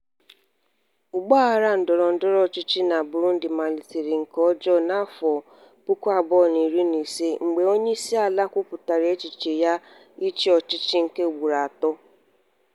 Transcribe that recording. Ọgbaaghara ndọrọndọrọ ọchịchị na Burundi malitere nke ọjọọ n'afọ 2015 mgbe onyeisiala kwupụtara echiche ya ichi ọchịchị nke ugboro atọ.